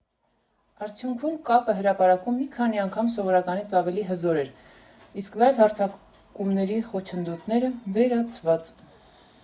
Արդյունքում կապը հրապարակում մի քանի անգամ սովորականից ավելի հզոր էր, իսկ լայվ հեռարձակումների խոչընդոտները՝ վերացված։